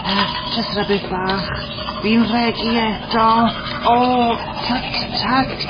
Yy jyst rybydd bach, fi'n rhegu eto! O twt twt!